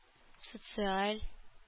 Социаль